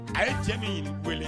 A ye cɛ min ɲini koyi